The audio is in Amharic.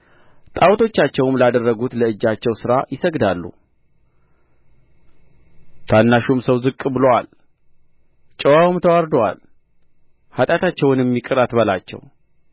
ጣቶቻቸውም ላደረጉት ለእጃቸው ሥራ ይሰግዳሉ ታናሹም ሰው ዝቅ ብሎአል ጨዋውም ተዋርዶአል ኃጢአታቸውንም ይቅር አትበላቸው